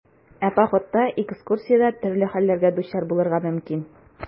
Ә походта, экскурсиядә төрле хәлләргә дучар булырга мөмкин.